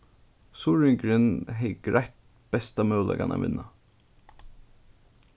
suðuroyingurin hevði greitt besta møguleikan at vinna